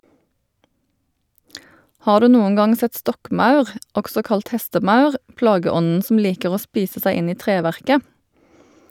Har du noen gang sett stokkmaur, også kalt hestemaur, plageånden som liker å spise seg inn i treverket?